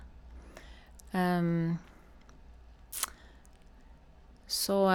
Så...